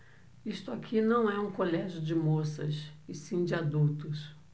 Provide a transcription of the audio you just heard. isto aqui não é um colégio de moças e sim de adultos